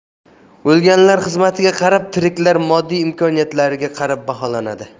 o'lganlar xizmatiga qarab tiriklar moddiy imkoniyatlariga qarab baholanadi